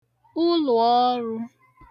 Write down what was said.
uluòọrụ̄